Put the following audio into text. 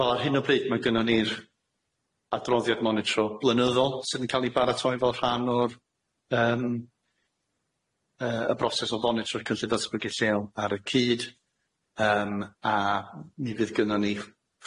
Wel ar hyn o bryd ma' gynnon ni'r adroddiad monitro blynyddol sydd yn ca'l i baratoi fel rhan o'r yym yy y broses o fonitro cyllid lleol ar y cyd yym a mi fydd gynnon ni ff-